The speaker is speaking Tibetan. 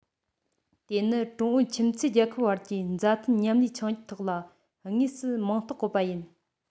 དེ ནི ཀྲུང ཨུ ཁྱིམ མཚེས རྒྱལ ཁབ བར གྱི མཛའ མཐུན མཉམ ལས ཆིངས ཡིག ཐོག ལ དངོས སུ མིང རྟགས བཀོད པ ཡིན